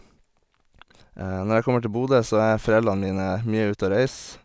Når jeg kommer til Bodø, så er foreldrene mine mye ute og reiser.